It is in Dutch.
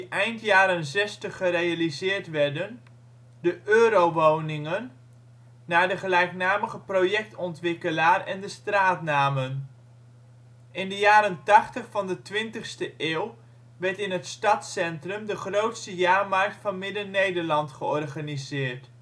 eind jaren 60 gerealiseerd werden, De Eurowoningen (naar de gelijknamige projectontwikkelaar en de straatnamen). In de jaren 80 van de 20ste eeuw werd in het stadscentrum de grootste jaarmarkt van Midden-Nederland georganiseerd